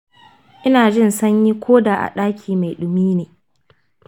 ina jin sanyi ko da a daki mai dumi ne.